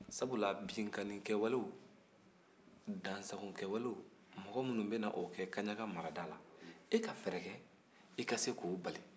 sabula binkannikɛwalenw dansogokɛwalew mɔgɔ minnu bɛ na o kɛ kaɲaga mara la e ka fɛɛrɛ kɛ i se k'o bali